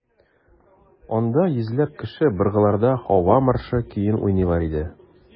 Анда йөзләп кеше быргыларда «Һава маршы» көен уйныйлар иде.